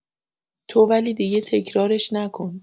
تو ولی دیگه تکرارش نکن.